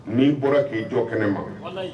N'i bɔra k'i jɔ kɛnɛ ma